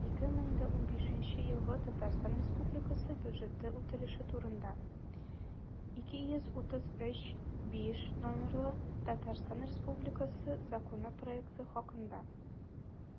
«2015 елгы татарстан республикасы бюджеты үтәлеше турында» 233-5 номерлы татарстан республикасы законы проекты хакында